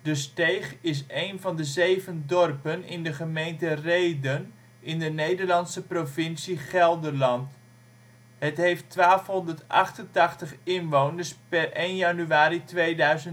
Steeg is een van de zeven dorpen in de gemeente Rheden in de Nederlandse provincie Gelderland. Het heeft 1288 inwoners (per 1 januari 2003). De